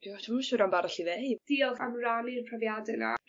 dwi'm yn siŵr am b' arall i ddeu. Diolch am rannu'r profiade 'na